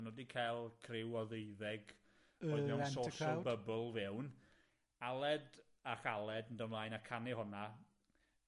nw 'di ca'l criw o ddeuddeg, oedd mewn social bubble fewn, Aled ac Aled yn do' mlaen a canu honna,